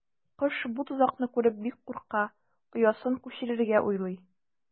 Кош бу тозакны күреп бик курка, оясын күчерергә уйлый.